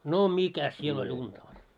no mikäs siellä oli unta oli